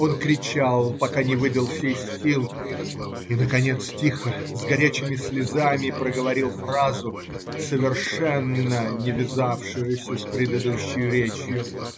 Он кричал, пока не выбился из сил, и, наконец, тихо, с горячими слезами, проговорил фразу, совершенно не вязавшуюся с предыдущей речью